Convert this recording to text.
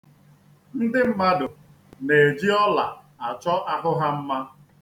Ndị mmadụ na-eji ọla achọ ahụ ha mma.